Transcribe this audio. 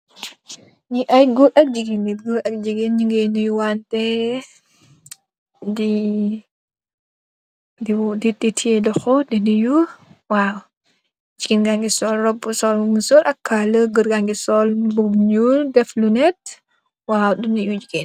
Nyi ay goor ak jigeen len goor ak jigeen nyu geh noyuwante di dox teyeh di yuhu waw jigeen nagi sol roba sol musurr ak kaala goor gagi sol mbuba nuul deff lunet waw di nuyu jigeen.